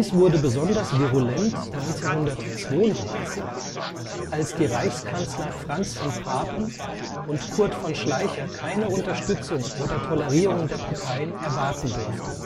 wurde besonders virulent 1932, als die Reichskanzler Franz von Papen und Kurt von Schleicher keine Unterstützung oder Tolerierung der Parteien erwarten durften